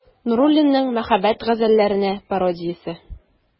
Нуруллинның «Мәхәббәт газәлләренә пародия»се.